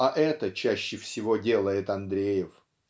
а это чаще всего делает Андреев.